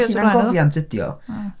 Hunangofiant ydy o...